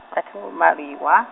a thi ngo maliwa.